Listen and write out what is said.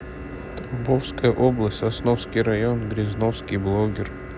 тамбовская область сосновский район грязновский блоггер